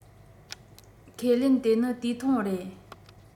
ཁས ལེན དེ ནི དུས ཐུང རེད